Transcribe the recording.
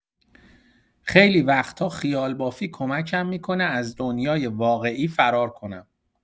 خیلی وقتا خیال‌بافی کمکم می‌کنه از دنیای واقعی فرار کنم.